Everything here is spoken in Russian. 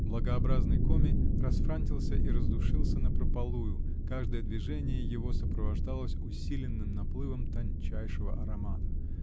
Благообразный комми расфрантился и раздушился напропалую: каждое движение его сопровождалось усиленным наплывом тончайшего аромата.